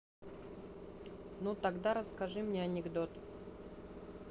ну тогда расскажи мне анекдот